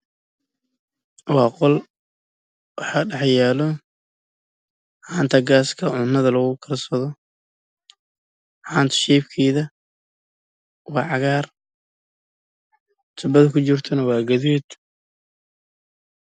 Waa qol waxaa dhex yaalo gaaska cuntada karsado